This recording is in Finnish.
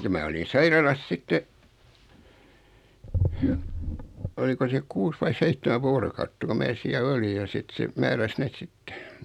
ja minä olin sairaalassa sitten oliko se kuusi vai seitsemän vuorokautta kun minä siellä olin ja sitten se määräsi ne sitten